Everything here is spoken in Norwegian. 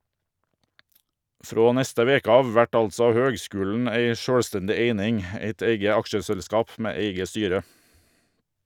Frå neste veke av vert altså høgskulen ei sjølvstendig eining , eit eige aksjeselskap med eige styre.